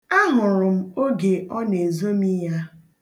A hụrụ m oge ọ na-ezomi ya.